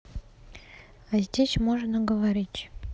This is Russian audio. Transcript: а здесь можно говорить